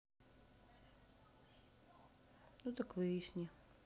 ну так выясни